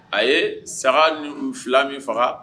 A ye saga nu 2 min faga